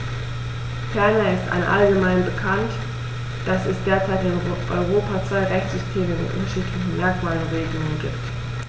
Ferner ist allgemein bekannt, dass es derzeit in Europa zwei Rechtssysteme mit unterschiedlichen Merkmalen und Regelungen gibt.